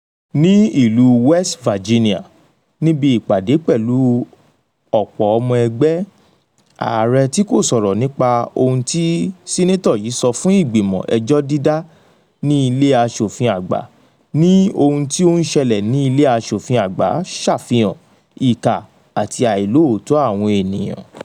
Ní ìlú West Virginia, níbi ìpàdé pẹ̀lú ọ̀pọ̀ ọmọ ẹgbẹ́, Ààrẹ tí kò sọrọ̀ nípa òun tí Sínátọ̀ yí sọ fún ìgbìmọ̀ ẹjọ́ dídá ti Ilé Aṣòfin Àgbà ní ohun tí ó ń ṣẹlẹ̀ ní Ilé Aṣòfin Àgbà ṣàfihàn “ìkà àti àìlóòótó” àwọn èèyàn.